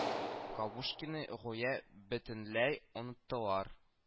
Кабушкинны гүя бөтенләй оныттылар